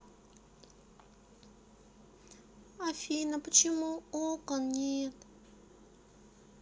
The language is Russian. афина почему окон нет